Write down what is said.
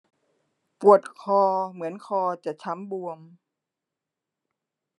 ปวดคอเหมือนคอจะช้ำบวม